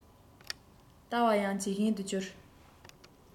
ལྟ བ ཡང ཇེ ཞན དུ གྱུར